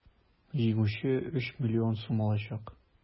Җиңүче 3 млн сум алачак.